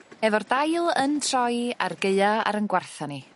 Efo'r dail yn troi ar Gaea ar yn gwartha ni